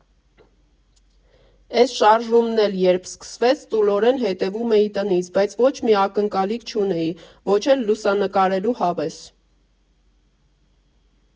Էս շարժումն էլ երբ սկսվեց, ծուլորեն հետևում էի տնից, բայց ոչ մի ակնկալիք չունեի, ոչ էլ լուսանկարելու հավես։